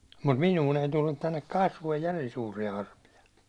mutta minuun ei tullut tänne kasvoihin järin suuria arpia